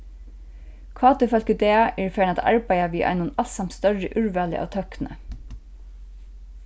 kt-fólk í dag eru farin at arbeiða við einum alsamt størri úrvali av tøkni